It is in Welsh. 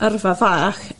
yrfa fach